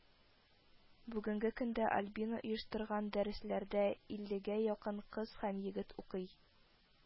Бүгенге көндә Альбина оештырган дәресләрдә иллегә якын кыз һәм егет укый